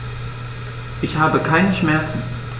Ich habe keine Schmerzen.